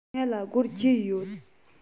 ང ལ སྒོར བརྒྱད ཡོད